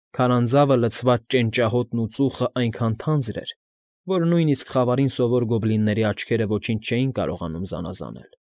Քարանձավը լցված ճենճահոտն ու ծուխն այնքան թանձր էր, որ նույնիսկ խավարին սովոր գոբլինների աչքերը ոչինչ չէին կարողանում զանազանել։